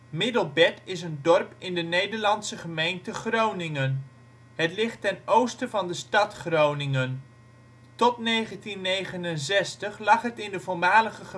Milbert) is een dorp in de Nederlandse gemeente Groningen. Het ligt ten oosten van de stad Groningen. Tot 1969 lag het in de voormalige